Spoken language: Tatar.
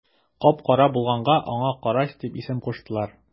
Кап-кара булганга аңа карач дип исем куштылар.